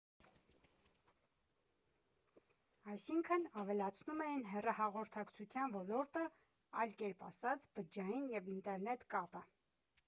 Այսինքն՝ ավելացնում էին հեռահաղորդակցության ոլորտը, այլ կերպ ասած՝ բջջային և ինտերնետ կապը։